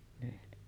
niin